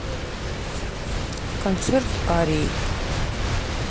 концерт арии